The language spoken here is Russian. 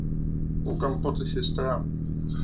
у компота сестра